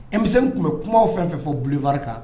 Emisɛn tun bɛ kuma fɛn fɛn fɔ bufari kan